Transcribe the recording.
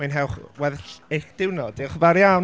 Mwynhewch weddill eich diwrnod. Diolch yn fawr iawn.